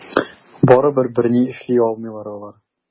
Барыбер берни эшли алмыйлар алар.